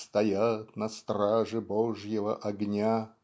Стоят на страже Божьего огня.